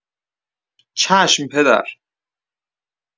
چشم پدر